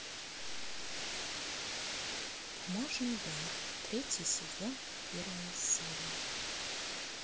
бумажный дом третий сезон первая серия